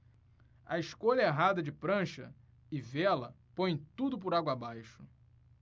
a escolha errada de prancha e vela põe tudo por água abaixo